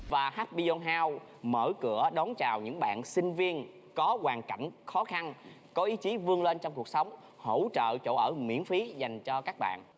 và hát by ông hao mở cửa đón chào những bạn sinh viên có hoàn cảnh khó khăn có ý chí vươn lên trong cuộc sống hỗ trợ chỗ ở miễn phí dành cho các bạn